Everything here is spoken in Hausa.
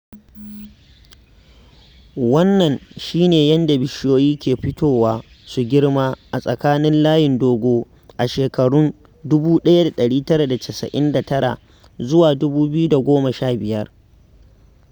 Wannan shi ne yadda bishiyoyi ke fitowa su girma a tsakanin layin dogo a shekarun 1999 zuwa 2015…